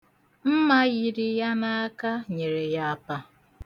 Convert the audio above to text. Mma yiri ya n'aka nyere ya apa.